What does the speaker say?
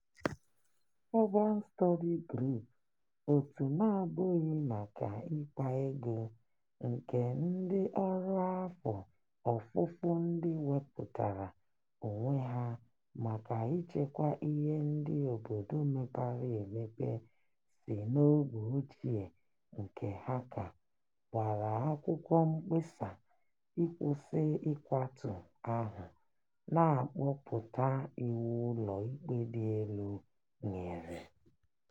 Urban Study Group, òtù na-abụghị maka ịkpa ego nke ndị ọru afọ ofufo ndị wepụtara onwe ha maka ichekwa ihe ndị obodo mepere emepe si n'oge ochie nke Dhaka, gbara akwukwọ mkpesa ịkwụsi nkwatu ahụ, na-akpọpụta iwu Ụlọ Ikpe Di Elu nyere.